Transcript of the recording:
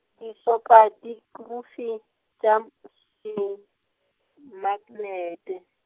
disopadikurufi tša -m semaknete.